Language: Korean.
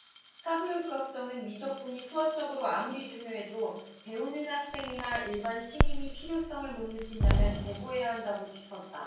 사교육걱정은 미적분이 수학적으로 아무리 중요해도 배우는 학생이나 일반 시민이 필요성을 못 느낀다면 재고해야 한다고 짚었다